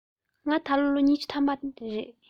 ང ད ལོ ལོ ཉི ཤུ ཐམ པ རེད